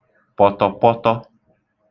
pọ̀tọ̀pọtọ